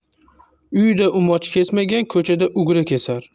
uyida umoch kesmagan ko'chada ugra kesar